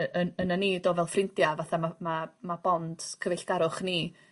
y- yn ynnon ni do fel ffrindia fatha ma'r ma' ma' bonds cyfeillgarwch ni